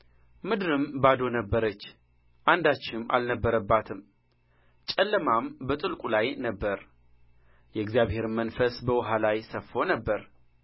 ምድርም ባዶ ነበረች አንዳችም አልነበረባትም ጨለማም በጥልቁ ላይ ነበረ የእግዚአብሔርም መንፈስ በውኃ ላይ ሰፎ ነበር